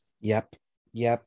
Yep. Yep.